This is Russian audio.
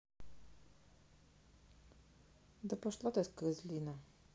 да пошла ты казлина